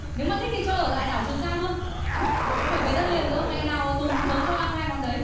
nếu mà thích thì cho ở lại đảo trường sa luôn không phải về đất liền nữa ngày nào tùng cũng nấu cho ăn hai món đấy